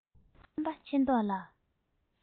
ཧམ པ ཆེ མདོག ལ